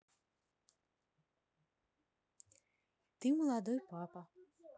ты молодой папа